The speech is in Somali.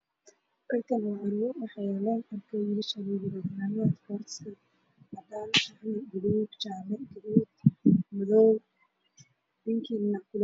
Halkaan waa carwo dharka wiilasha ayaa yaalo